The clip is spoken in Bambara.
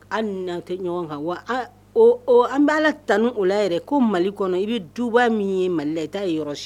An nanan kɛ ɲɔgɔn kan wa an b' ala tan ni o la yɛrɛ ko mali kɔnɔ i bɛ duba min ye mali i t' ye yɔrɔsi